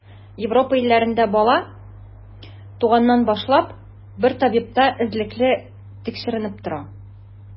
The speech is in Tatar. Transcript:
Европа илләрендә бала, туганнан башлап, бер табибта эзлекле тикшеренеп тора.